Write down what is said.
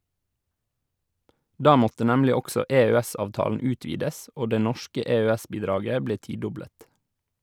Da måtte nemlig også EØS-avtalen utvides, og det norske EØS-bidraget ble tidoblet.